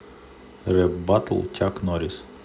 рэп баттл чак норрис